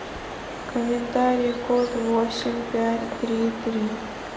комментарий кот восемь пять три три